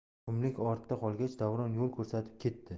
qumlik ortda qolgach davron yo'l ko'rsatib ketdi